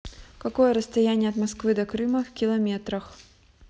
какое расстояние от москвы до крыма в километрах